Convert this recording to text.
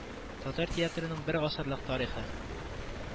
Татар театрының бер гасырлык тарихы